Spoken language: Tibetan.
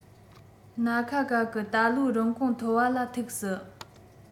སྣ ཁ ག གི ད ལོའི རིན གོང མཐོ བ ལ ཐུག སྲིད